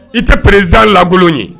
I tɛ pererezan la ye